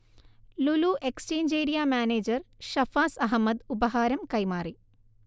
Lulu exchange area manager Shafas Ahammed ഉപഹാരം കൈമാറി